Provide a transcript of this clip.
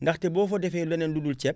ndaxte boo fa defee leneen lu dul ceeb